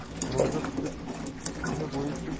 ro'za tutib kuni bo'yi tuz